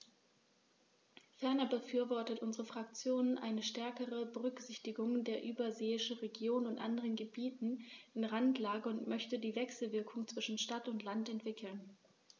Ferner befürwortet unsere Fraktion eine stärkere Berücksichtigung der überseeischen Regionen und anderen Gebieten in Randlage und möchte die Wechselwirkungen zwischen Stadt und Land entwickeln.